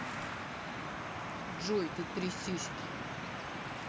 джой ты три сиськи